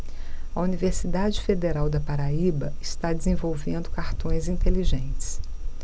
a universidade federal da paraíba está desenvolvendo cartões inteligentes